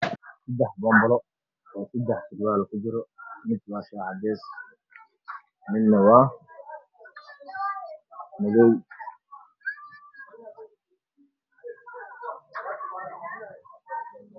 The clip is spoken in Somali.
Saddex sarwaal oo pompel ku jiro mid waa cagaar mid waa cadde midna waa madow